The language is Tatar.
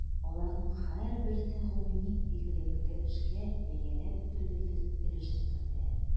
Аларның һәрберсе гомуми игелекле эшкә бәяләп бетергесез өлешен кертә.